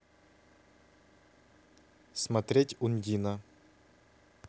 смотреть ундина